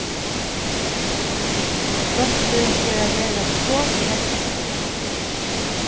hvølpurin fer at verða so keddur